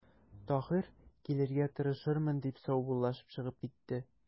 Таһир:– Килергә тырышырмын,– дип, саубуллашып чыгып китә.